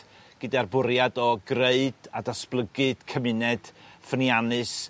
Gyda'r bwriad o greu a datblygu'd cymuned ffyniannus